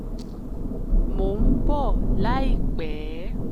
Mò ń bò láìpẹ́.